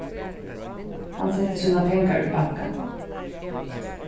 hann setti sínar pengar í bankan